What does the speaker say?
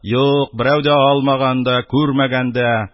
Юк, берәү дә алмаган да, күрмәгән дә.